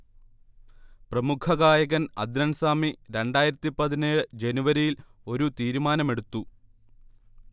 പ്രമുഖഗായകൻ അദ്നൻ സമി രണ്ടായിരത്തി പതിനേഴു ജനുവരിയിൽ ഒരു തീരുമാനമെടുത്തു